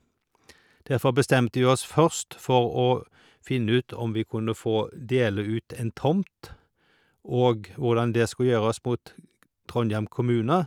Derfor bestemte vi oss først for å finne ut om vi kunne få dele ut en tomt, og hvordan det skulle gjøres mot Trondhjem kommune.